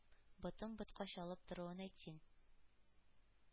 - ботын-ботка чалып торуын әйт син...